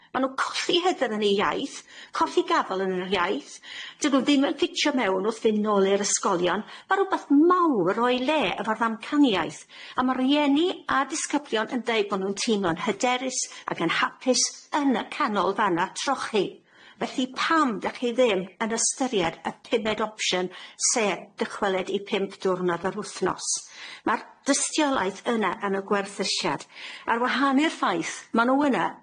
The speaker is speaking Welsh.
Ma' n'w colli hyder yn 'i iaith, colli gafel yn yr iaith, 'dyn n'w ddim yn ffitio mewn wrth fynd nôl i'r ysgolion, ma' rwbath mawr o'i le efo'r ddamcaniaeth, a ma'r rieni a disgyblion yn deud bo' nw'n teimlo'n hyderus ag yn hapus yn y Canolfanna Trochi, felly pam 'dach chi ddim yn ystyried y pumed opsiwn, sef dychweled i pump diwrnod yr wthnos ma'r dystiolaeth yna yn y gwerthysiad ar wahân i'r ffaith ma' n'w yna,